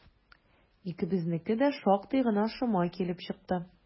Икебезнеке дә шактый гына шома килеп чыкты.